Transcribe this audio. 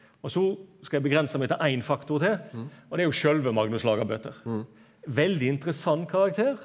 og so skal eg avgrensa meg til ein faktor til og det er jo sjølve Magnus Lagabøte veldig interessant karakter.